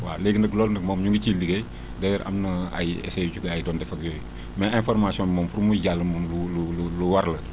waaw léegi nag loolu nag moom ñu ngi ciy liggéey d' ailleurs am na ay éssais yu si gars yi doon def ak yooyu mais information bi moom pour muy jàll moom lu lu lu war la